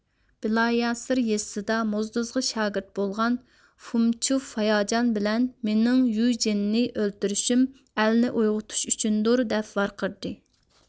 بىلاياسىر يېزىسىدا موزدوزغا شاگىرت بولغان فومىچوف ھاياجان بىلەن مېنىڭ يۇي جىنى ئۆلتۈرۈشۈم ئەلنى ئويغىتىش ئۈچۈندۇر دەپ ۋارقىرىدى